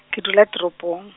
ke dula toropong.